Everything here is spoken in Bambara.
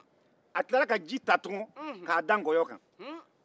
a tilara ka ji ta tugun k'a da nkɔyɔ kan